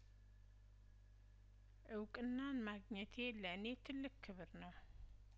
እውቅናን ማግኘቴ ለእኔ ትልቅ ክብር ነው